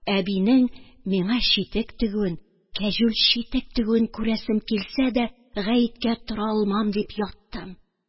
Әбинең миңа читек тегүен, кәҗүл читек тегүен күрәсем килсә дә, гаеткә тора алмам дип яттым